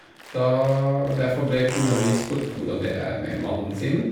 da Derfor ble kona mi spurt hvordan det er med mannen sin.